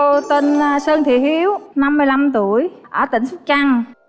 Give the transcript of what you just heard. cô tên sơn thị hiếu năm mươi lăm tuổi ở tỉnh sóc trăng